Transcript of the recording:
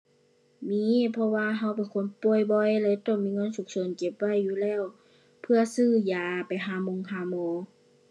มี เพราะว่าเราเป็นคนป่วยบ่อย เลยต้องมีเงินฉุกเฉินเก็บไว้อยู่แล้ว เผื่อซื้อยา ไปหาหมงหาหมอ